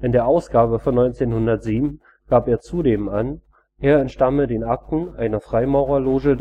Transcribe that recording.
der Ausgabe von 1907 gab er zudem an, er entstamme den Akten einer „ Freimaurerloge